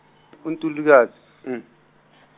uNtulikazi .